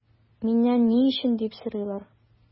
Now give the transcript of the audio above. Миннән “ни өчен” дип сорыйлар.